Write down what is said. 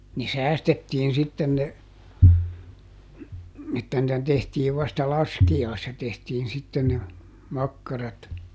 ne säästettiin sitten ne että niitä tehtiin vasta laskiaisena tehtiin sitten ne makkarat